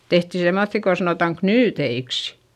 tehtiin semmoisia kun sanotaan knyyteiksi